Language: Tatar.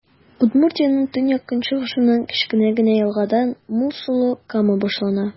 Удмуртиянең төньяк-көнчыгышыннан, кечкенә генә елгадан, мул сулы Кама башлана.